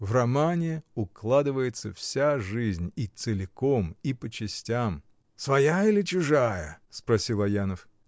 В роман укладывается вся жизнь, и целиком, и по частям. — Своя или чужая? — спросил Аянов.